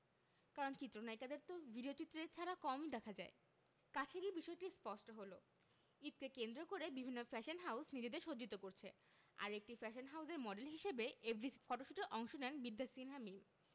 কারণ চিত্রনায়িকাদের তো ভিডিওচিত্রে ছাড়া কম দেখা যায় কাছে গিয়ে বিষয়টি স্পষ্ট হলো ঈদকে কেন্দ্র করে বিভিন্ন ফ্যাশন হাউজ নিজেদের সজ্জিত করছে আর একটি ফ্যাশন হাউজের মডেল হিসেবে এফডিসি তে ফটোশ্যুটে অংশ নেন বিদ্যা সিনহা মীম